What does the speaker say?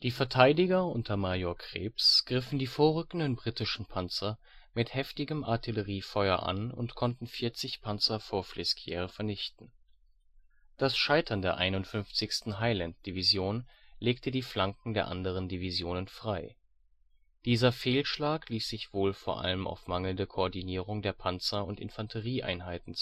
Verteidiger unter Major Krebs griffen die vorrückenden britischen Panzer mit heftigem Artilleriefeuer an und konnten 40 Panzer vor Flesquières vernichten. Das Scheitern der 51. Highland Division legte die Flanken der anderen Divisionen frei. Dieser Fehlschlag ließ sich wohl vor allem auf mangelnde Koordinierung der Panzer - und Infanterieeinheiten